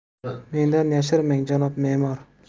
mendan yashirmang janob memor